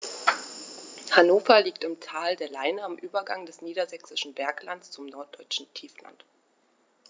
Hannover liegt im Tal der Leine am Übergang des Niedersächsischen Berglands zum Norddeutschen Tiefland.